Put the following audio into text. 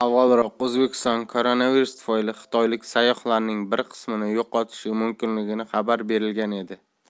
avvalroq o'zbekiston koronavirus tufayli xitoylik sayyohlarning bir qismini yo'qotishi mumkinligi xabar berilgan edi